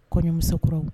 Kɔɲɔmusokuraw